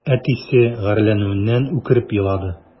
Әтисе гарьләнүеннән үкереп елады.